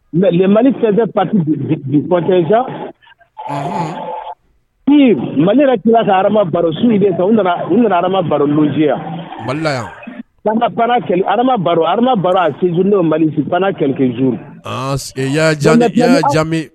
Mɛ nin mali fɛn pa mali tilala ka haro su de u nana u nana adama baroji yan yanzj malijuru